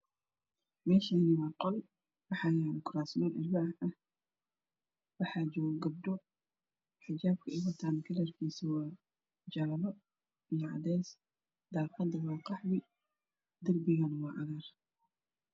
Meshani waa qol kurasman alwaax ah waxa jogo gabdho xijabka eey wataan madabkiiso waa jaalo io cadey daqado waa qaxwi dirbigo nah wa cagaar